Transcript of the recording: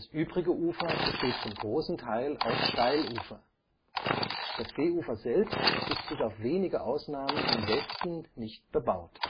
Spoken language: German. übrige Ufer besteht zum großen Teil aus Steilufer. Das Seeufer selbst ist bis auf wenige Ausnahmen im Westen nicht bebaut